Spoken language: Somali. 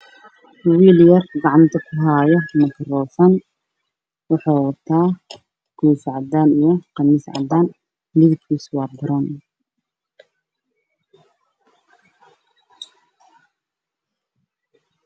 Waa wiil qamiis midabkiisii yahay caddaan